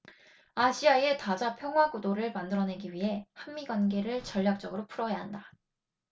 아시아의 다자 평화구도를 만들어 내기 위해 한 미 관계를 전략적으로 풀어야 한다